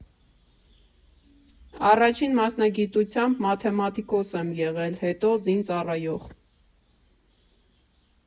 Առաջին մասնագիտությամբ մաթեմատիկոս եմ եղել, հետո՝ զինծառայող։